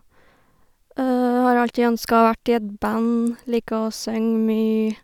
Har alltid ønsket å vært i et band, liker å søng mye.